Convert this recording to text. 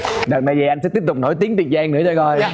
đợt mày về anh sẽ tiếp tục nổi tiếng định giang nữa cho coi